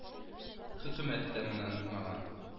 Хөкүмәт тә моны онытмаган